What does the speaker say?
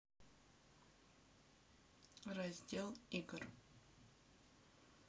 раздел игр